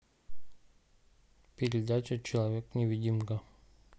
передача человек невидимка